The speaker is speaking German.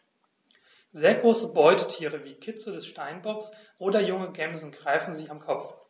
Sehr große Beutetiere wie Kitze des Steinbocks oder junge Gämsen greifen sie am Kopf.